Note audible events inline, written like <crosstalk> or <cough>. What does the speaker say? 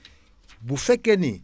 <noise> bu fekkee ni